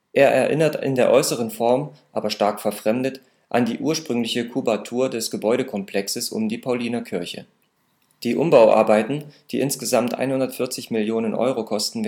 Er erinnert in der äußeren Form, aber stark verfremdet, an die ursprüngliche Kubatur des Gebäudekomplexes um die Paulinerkirche. Die Umbauarbeiten, die insgesamt 140 Millionen Euro kosten